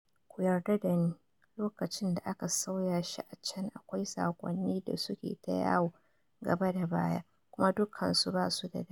Ku yarda dani, lokacin da aka sauya shi a can akwai sakonni da suke ta yawo gaba da baya kuma dukansu ba su da dadi.